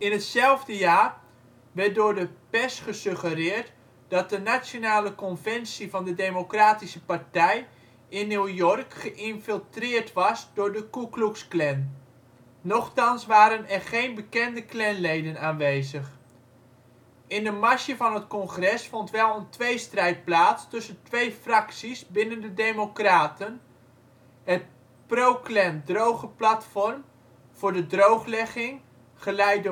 hetzelfde jaar werd door de pers gesuggereerd dat de nationale conventie van de Democratische Partij in New York geïnfiltreerd was door de Ku Klux Klan. Nochtans waren er geen bekende Klanleden aanwezig. In de marge van het congres vond wel een tweestrijd plaats tussen twee fracties binnen de democraten, het pro-Klan droge platform (voor de Drooglegging, geleid